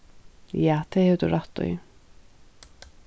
ja tað hevur tú rætt í